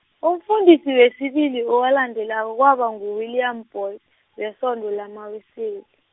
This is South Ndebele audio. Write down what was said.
umfundisi wesibili owalandelako kwaba ngu- William Boyce, wesondo lamaWeseli.